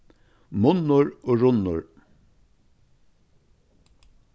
munnur og runnur